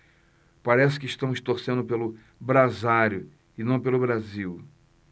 parece que estamos torcendo pelo brasário e não pelo brasil